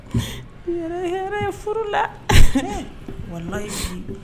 Nin yɛrɛ ye hɛrɛ ye furu la, wallahi!